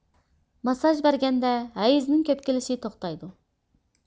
ماسساژ بەرگەندە ھەيزنىڭ كۆپ كېلىشى توختايدۇ